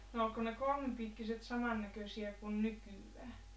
no oliko ne kolmipiikkiset samannäköisiä kuin nykyään